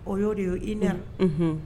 O y'o de y ye i na